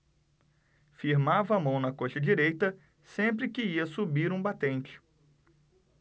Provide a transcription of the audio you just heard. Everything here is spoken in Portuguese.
firmava a mão na coxa direita sempre que ia subir um batente